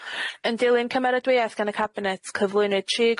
Yn dilyn cymeradwyaeth gan y cabinet cyflwynwyd tri